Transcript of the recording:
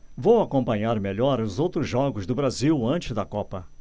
vou acompanhar melhor os outros jogos do brasil antes da copa